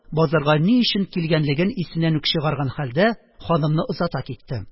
Базарга ни өчен килгәнлеген исеннән үк чыгарган хәлдә, ханымны озата китте.